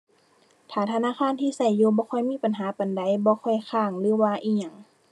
ถ้าธนาคารที่ใช้อยู่บ่ค่อยมีปัญหาปานใด บ่ค่อยค้างหรือว่าอิหยัง